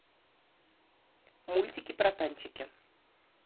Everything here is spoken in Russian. мультики про танчики